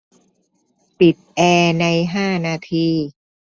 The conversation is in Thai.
ปิดแอร์ในห้านาที